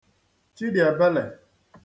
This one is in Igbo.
Chidị̀èbelè